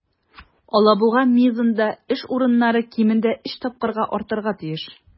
"алабуга" мизында эш урыннары кимендә өч тапкырга артарга тиеш.